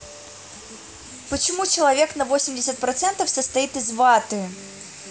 почему человек на восемьдесят процентов состоит из ваты